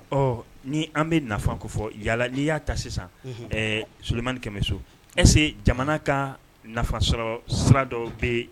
Ɔ ni an bɛ nafa kofɔ yalala n'i y'a ta sisan somani kɛmɛ so ɛse jamana ka nafa sɔrɔ sara dɔ bɛ